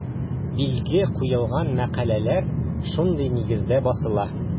Билге куелган мәкаләләр шундый нигездә басыла.